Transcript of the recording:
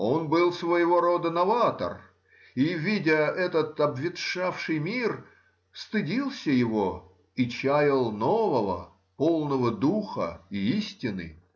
Он был своего рода новатор и, видя этот обветшавший мир, стыдился его и чаял нового, полного духа и истины.